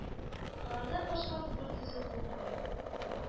Алардан башка күпер төзеп булмый